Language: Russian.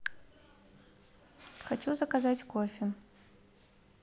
хочу заказать кофе